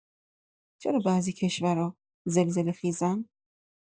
چرا بعضی کشورها زلزله‌خیزن؟